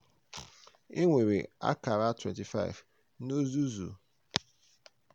E nwere akara 25 n'ozuzu.